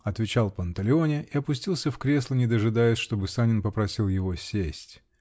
-- отвечал Панталеоне и опустился в кресла, не дожидаясь, чтобы Санин попросил его сесть.